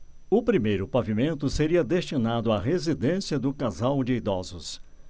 o primeiro pavimento seria destinado à residência do casal de idosos